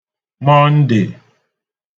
Mọndè